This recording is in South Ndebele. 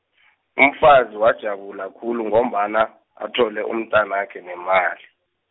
umfazi wajabula khulu ngombana, athole umntwanakhe nemali .